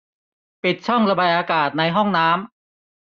ปิดช่องระบายอากาศในห้องน้ำ